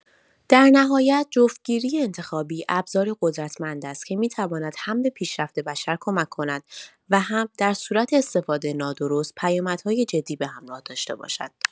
در نهایت، جفت‌گیری انتخابی ابزاری قدرتمند است که می‌تواند هم به پیشرفت بشر کمک کند و هم در صورت استفاده نادرست، پیامدهای جدی به همراه داشته باشد.